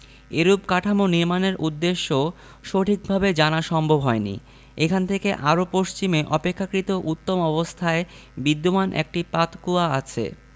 এরূপ কাঠামো নির্মাণের উদ্দেশ্য সঠিকভাবে জানা সম্ভব হয় নি এখান থেকে আরও পশ্চিমে অপেক্ষাকৃত উত্তম অবস্থায় বিদ্যমান একটি পাতকুয়া আছে